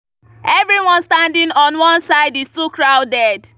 Everyone standing on one side is too crowded.